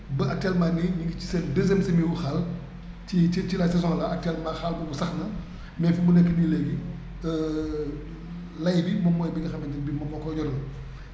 ba actuellement nii ñu ngi ci seen deuxième semis wu xaal ci ci la saison là actuellement xaal boobu sax na mais fu mu nekk nii léegi lay bi moom mooy bi nga xamante ne bii moom moo koy ñoral